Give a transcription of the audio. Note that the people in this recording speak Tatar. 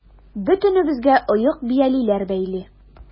Бөтенебезгә оек-биялиләр бәйли.